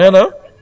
waa